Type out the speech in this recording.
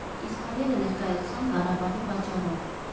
Իսկ հայերը ներկայացան՝ Ղարաբաղի պատճառով։